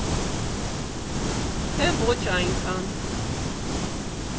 Թե՞ ոչ այնքան։